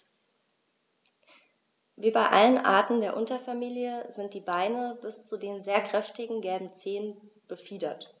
Wie bei allen Arten der Unterfamilie sind die Beine bis zu den sehr kräftigen gelben Zehen befiedert.